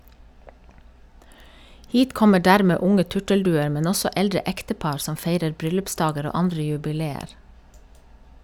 Hit kommer dermed unge turtelduer, men også eldre ektepar som feirer bryllupsdager og andre jubileer.